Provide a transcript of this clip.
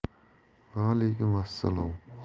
vaalaykum assalom